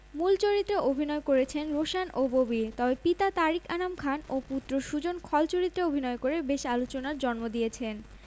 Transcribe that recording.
ঈদে বাংলাদেশে মুক্তি দেয়ার প্রক্রিয়াও শুরু হয়েছিল যদিও শেষ পর্যন্ত বিষয়টি ধামাচাপা পড়ে গেছে অন্যদিকে মিমের সাথে ফটশুটে অংশ নেন আরেক খল অভিনেতা খালেদ হোসেন সুজন